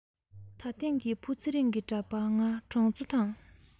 ད ཐེངས ཀྱི བུ ཚེ རིང གི འདྲ པར ང གྲོང ཚོ དང